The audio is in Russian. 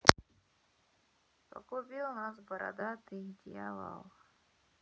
погубил нас бородатый дьявол